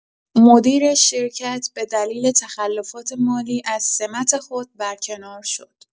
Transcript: مدیر شرکت به دلیل تخلفات مالی از سمت خود برکنار شد.